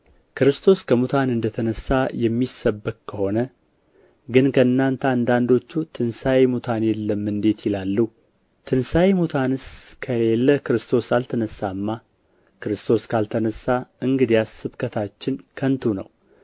ክርስቶስ ከሙታን እንደ ተነሣ የሚሰበክ ከሆነ ግን ከእናንተ አንዳንዶቹ ትንሣኤ ሙታን የለም እንዴት ይላሉ ትንሣኤ ሙታንስ ከሌለ ክርስቶስ አልተነሣማ ክርስቶስም ካልተነሣ እንግዲያስ ስብከታችን ከንቱ ነው